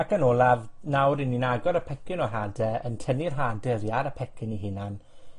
Ac yn olaf, nawr 'yn ni'n agor y pecyn o hade, yn tynnu'r hade oddi ar y pecyn 'i hunan,